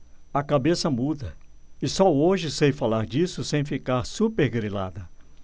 a cabeça muda e só hoje sei falar disso sem ficar supergrilada